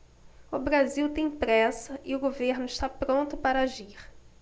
o brasil tem pressa e o governo está pronto para agir